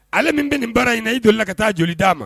Ale min bɛ nin baara in na i delila ka taa joli d'a ma